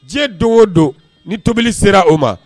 Diɲɛ don o don ni tobili sera o ma